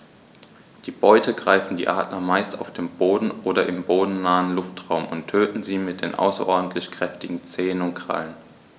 Die Beute greifen die Adler meist auf dem Boden oder im bodennahen Luftraum und töten sie mit den außerordentlich kräftigen Zehen und Krallen.